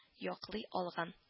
Яклый алган